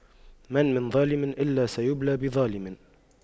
ما من ظالم إلا سيبلى بظالم